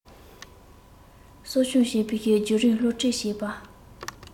གསོ སྐྱོང བྱེད པའི བརྒྱུད རིམ སློབ ཁྲིད བྱེད པ